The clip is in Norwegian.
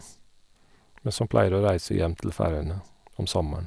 Men som pleier å reise hjem til Færøyene om sommeren.